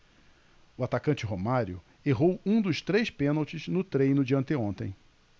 o atacante romário errou um dos três pênaltis no treino de anteontem